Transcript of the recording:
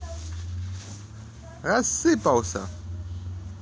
рассыпался